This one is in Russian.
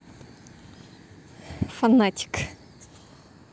фанатик